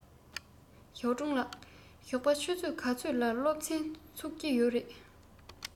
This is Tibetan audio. ཞའོ ཀྲུང ལགས ཞོགས པ ཆུ ཚོད ག ཚོད ལ སློབ ཚན ཚུགས ཀྱི ཡོད རེད